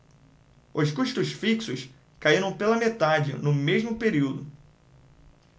os custos fixos caíram pela metade no mesmo período